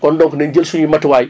kon donc nañ jël suñu matuwaay